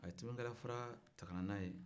a ye timikalafara ta ka n'a ye